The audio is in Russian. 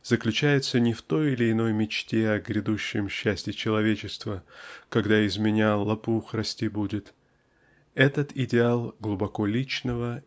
заключается не в той или иной мечте о грядущем счастии человечества "когда из меня лопух расти будет". Этот идеал -- глубоко личного